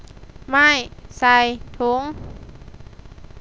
ไม่ใส่ถุง